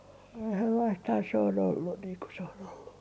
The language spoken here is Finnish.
sellaistahan se on ollut niin kuin se on ollut